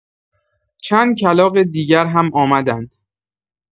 چند کلاغ دیگر هم آمدند.